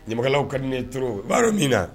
Ɲamakalaw ka di ne ye trop i ba dɔn